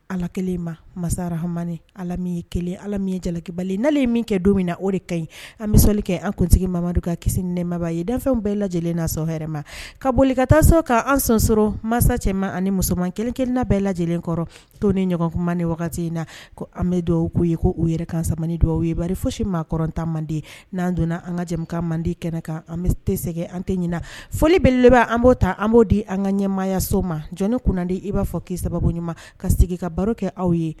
Ala kɛlen ma masara hamani ala min ye kelen ala min ye jalakibali na ye min kɛ don min na o de ka ɲi anmisali kɛ an kuntigi mamamadu ka kisi nɛmaba ye danw bɛɛ lajɛlen na sɔ hɛrɛma ka boli ka taa so' an son sɔrɔ masa cɛmanma ani musoman kelen- kelenina bɛɛ lajɛ lajɛlen kɔrɔ to ni ɲɔgɔnkuma ni wagati in na ko an bɛ dɔw k'u ye ko u yɛrɛ kansamani don aw yebari foyisi maaɔrɔn ta mande n'an donna an ka jɛ ka mande di kɛnɛ kan an bɛ tɛsɛ an tɛ ɲin foli bele an b'o ta an b'o di an ka ɲɛmaaya so ma jɔnni kunnanandi i b'a fɔ ki sababuɲuman ka sigi ka baro kɛ aw ye